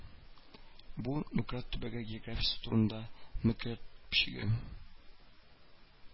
Бу Нократ төбәге географиясе турында мәкалә төпчеге